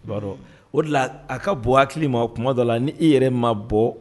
Ba dɔn o de a ka bon hakili ma o kuma dɔ la ni i yɛrɛ ma bɔ